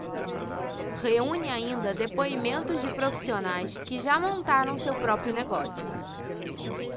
reúne ainda depoimentos de profissionais que já montaram seu próprio negócio